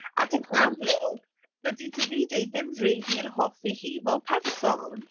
Ac yn amlwg dydi Davide ddim rili yn hoffi hi fel person.